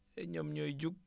ñoom ñooy jug